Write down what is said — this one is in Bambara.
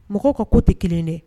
Mɔgɔw ka ko tɛ kelen de